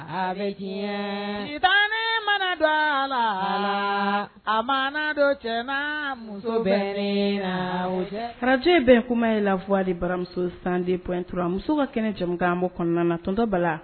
Aa be tiɲɛɛ sitanɛɛ mana dɔ a laa Alaa a mana do cɛ n'aa muso bɛnneen na o cɛ be Radio ye Benkuma ye la voix de baramuso 102.3 musow ka kɛnɛ jɛmukan an b'o kɔɔna la tonton Bala